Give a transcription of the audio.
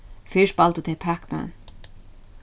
fyrr spældu tey pacman